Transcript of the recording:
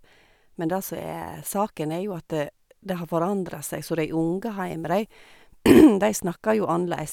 Men det som er saken, er jo at det har forandra seg, så de unge heime, de de snakker jo annleis.